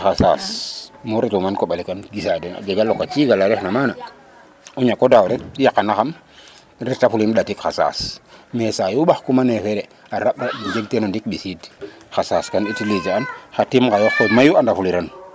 xa saas mu retuma koɓale kam gisa den a jega a loka ciga la eref na mana o ñako daaw rek yakana xam reta fulimo ndatig xa saas mais sayu ɓax kuma nefere a raɓ raɓ im jeg teno ndik mbisid xa saas kan utiliser an xa tim ŋayoox koy mayu anda fuli ran